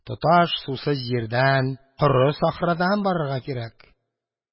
Тоташ сусыз җирдән, коры сахрадан барырга кирәк.